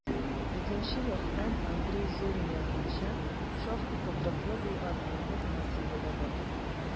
Икенче яктан, Андрей Зорин язганча, шактый тотрыклы булган өмет мотивы да бар: